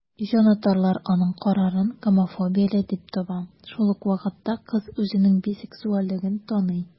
Җанатарлар аның карарын гомофобияле дип таба, шул ук вакытта кыз үзенең бисексуальлеген таный.